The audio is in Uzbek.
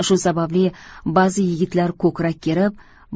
shu sababli ba'zi yigitlar ko'krak kerib